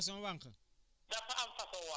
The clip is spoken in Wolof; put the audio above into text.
wànq yi aussi dafa am façon wànq